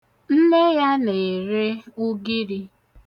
Nne ya na-ere ugiri.